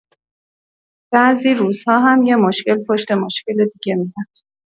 بعضی روزها هم یه مشکل پشت مشکل دیگه میاد.